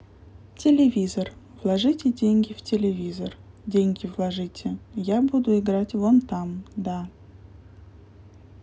телевизор вложите деньги в телевизор деньги вложите я буду играть вон там да